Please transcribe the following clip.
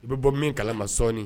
I bɛ bɔ min kala ma sɔɔni